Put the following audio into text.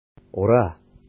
Ура!